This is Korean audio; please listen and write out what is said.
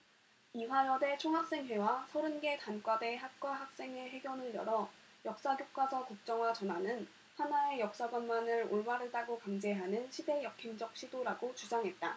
이화여대 총학생회와 서른 개 단과대 학과 학생회 회견을 열어 역사 교과서 국정화 전환은 하나의 역사관만을 올바르다고 강제하는 시대 역행적 시도라고 주장했다